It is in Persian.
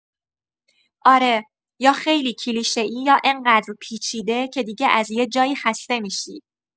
آره، یا خیلی کلیشه‌ای یا انقدر پیچیده که دیگه از یه جایی خسته می‌شی.